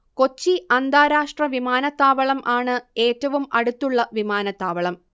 കൊച്ചി അന്താരാഷ്ട്ര വിമാനത്താവളം ആണ് ഏറ്റവും അടുത്തുള്ള വിമാനത്താവളം